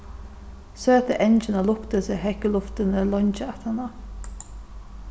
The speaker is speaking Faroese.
søti angin av luktilsi hekk í luftini leingi aftaná